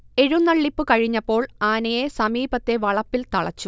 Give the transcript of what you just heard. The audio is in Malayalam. എഴുന്നള്ളിപ്പ് കഴിഞ്ഞപ്പോൾ ആനയെ സമീപത്തെ വളപ്പിൽ തളച്ചു